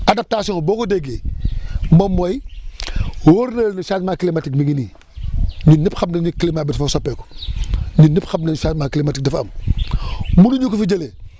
adaptation boo ko déggee moom mooy wóor na la ni changement climatique mi ngi nii ñun ñëpp xam nañ ni climat bi dafa soppeeku ñun ñëpp xam nañ changement climatique dafa am munuñu ko fi jëlee